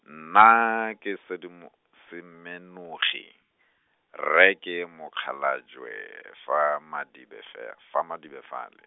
nna ke sedimo, Semenogi, rre ke Mokgalajwe fa Madibe fe, fa Madibe fale.